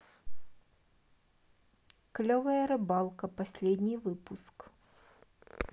клевая рыбалка последний выпуск